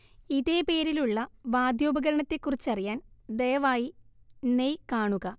ഇതേ പേരിലുള്ള വാദ്യോപകരണത്തെക്കുറിച്ചറിയാൻ ദയവായി നെയ് കാണുക